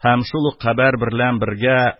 Һәм шул ук хәбәр берлән бергә